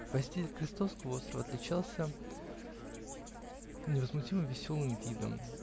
посетитель Крестовского острова отличался невозмутимо-веселым видом.